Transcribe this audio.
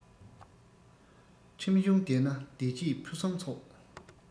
ཁྲིམས གཞུང ལྡན ན བདེ སྐྱིད ཕུན སུམ ཚོགས